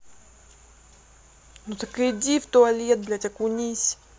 ну так иди в туалет блядь окунись